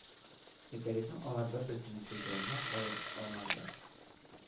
Иртәгесен алар бер-берсенең күзләренә карый алмадылар